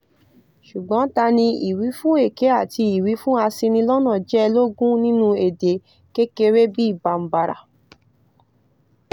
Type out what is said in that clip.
Ṣùgbọ́n tani ìwífún èké àti ìwífún aṣinilọ́nà jẹ lógún nínú èdè kékeré bíi Bambara?